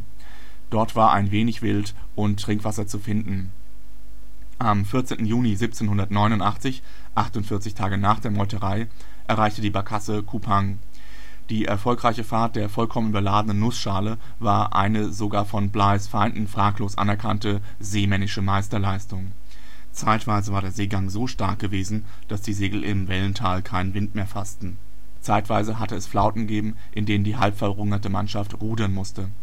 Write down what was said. war ein wenig Wild und Trinkwasser zu finden. Am 14. Juni 1789, 48 Tage nach der Meuterei, erreichte die Barkasse Kupang. Die erfolgreiche Fahrt der vollkommen überladenen Nussschale war eine sogar von Blighs Feinden fraglos anerkannte seemännische Meisterleistung. Zeitweise war der Seegang so stark gewesen, dass die Segel im Wellental keinen Wind mehr fassten, zeitweise hatte es Flauten gegeben, in denen die halbverhungerte Mannschaft rudern musste